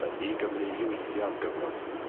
...daeth i Gymru i weithio am gyfnod?